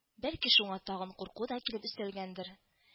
Бәлки шуңа тагын курку да килеп өстәлгәндер